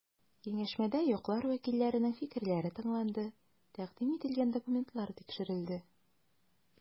Киңәшмәдә яклар вәкилләренең фикерләре тыңланды, тәкъдим ителгән документлар тикшерелде.